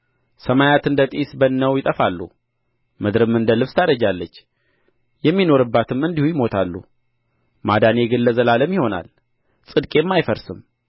ሰማያት እንደ ጢስ በንነው ይጠፋሉ ምድርም እንደ ልብስ ታረጃለች የሚኖሩባትም እንዲሁ ይሞታሉ ማዳኔ ግን ለዘላለም ይሆናል ጽድቄም አይፈርስም